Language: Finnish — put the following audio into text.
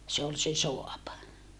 se oli se saava